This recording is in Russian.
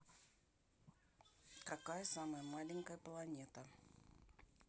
какая самая маленькая планета